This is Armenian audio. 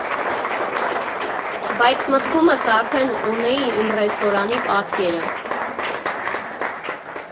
Բայց մտքումս արդեն ունեի իմ ռեստորանի պատկերը։